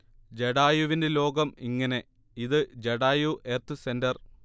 ജടായുവിന്റെ ലോകം ഇങ്ങനെ. ഇത് ജടായു എർത്ത് സെന്റർ